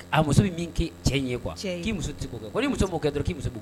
A muso ye min kɛ cɛ in ye quoi , k'i muso tɛ se k'o kɛ ko n'i muso m'o kɛ k'i muso b'o